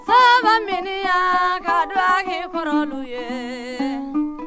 sabaminiyan ka duwaw kɛ i kɔrɔlu ye